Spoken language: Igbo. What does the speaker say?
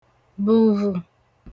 bùvù